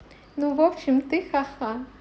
ну в общем ты хаха